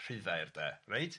Rhuddair de, reit?